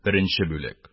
Беренче бүлек